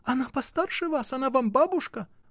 — Она постарше вас, она вам бабушка!